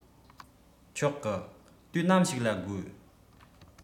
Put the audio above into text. ཆོག གི དུས ནམ ཞིག ལ དགོས